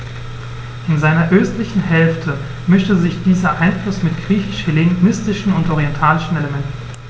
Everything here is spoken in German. In seiner östlichen Hälfte mischte sich dieser Einfluss mit griechisch-hellenistischen und orientalischen Elementen.